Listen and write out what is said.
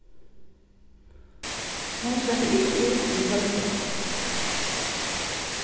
hon sleppur ikki út um kvøldið